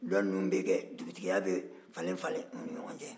dɔ ninnu bɛ kɛ dugutigiya bɛ falen-falen u ni ɲɔgɔn cɛ